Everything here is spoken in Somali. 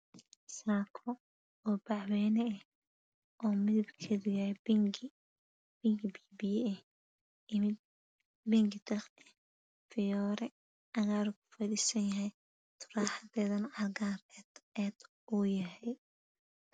Waa saako oo bac weyna ah oo midabkeedu uu yahay bingi biyo biyo ah iyo bingi tiq ah oo Fiyoore cagaaran kufirarsan yahay, taraaxadeedana waa cagaar.